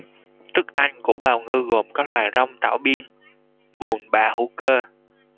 thức ăn của bào ngư gồm các loài rong tảo biên mùn bã hữu cơ